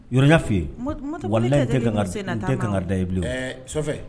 Yɔrɔ n y'a f'i ye, walahi